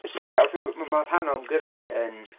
Felly ie. M- m- mae rhan o ymgyrchu yn...